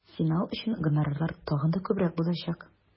Финал өчен гонорарлар тагын да күбрәк булачак.